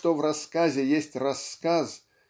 что в рассказе есть рассказ